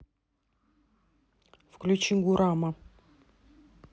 включи гурама